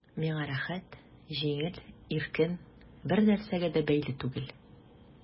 Миңа рәхәт, җиңел, иркен, бернәрсәгә дә бәйле түгел...